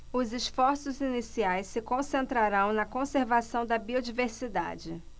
os esforços iniciais se concentrarão na conservação da biodiversidade